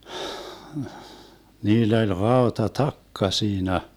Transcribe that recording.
niillä oli rautatakka siinä